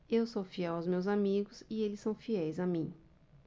eu sou fiel aos meus amigos e eles são fiéis a mim